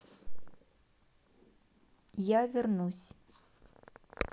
я вернусь